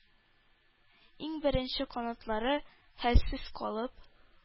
Иң беренче канатлары хәлсез калып,